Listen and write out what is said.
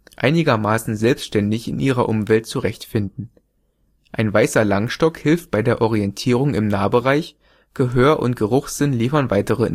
einigermaßen selbständig in ihrer Umwelt zurechtfinden. Ein weißer Langstock hilft bei der Orientierung im Nahbereich, Gehör und Geruchssinn liefern weitere